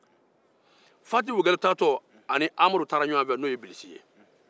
fati woyigalo taatɔ ni amadu taara ɲɔgɔn n'o ye bilisi ye